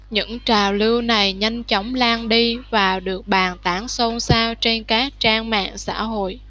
những trào lưu này nhanh chóng lan đi và được bàn tán xôn xao trên các trang mạng xã hội